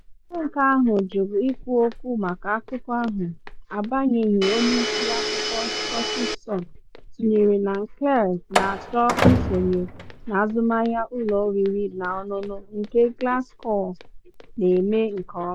Omenka ahụ jụrụ ikwu okwu maka akụkọ ahụ, agbanyeghị onye isi akụkọ Scottish Sun tụnyere na Kiernan na achọ isonye “n’azụmahịa ụlọ oriri na ọṅụṅụ nke Glasgow na eme nke ọma.”